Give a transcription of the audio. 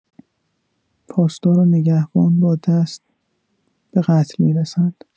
پاسدار و نگهبان با دست به قتل می‌رسند.